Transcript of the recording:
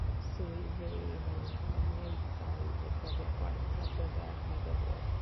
swyddi neu interniaethau neu brofiad gwaith ar gyfer myfyrwyr